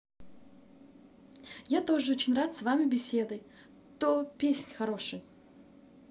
я тоже очень рад с вами беседой то песнь хороший